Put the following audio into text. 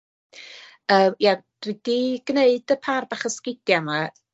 Yy ie dwi 'di gneud y par bach o sgidia' 'ma